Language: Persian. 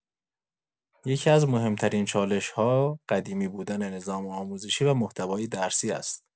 یکی‌از مهم‌ترین چالش‌ها قدیمی بودن نظام آموزشی و محتوای درسی است.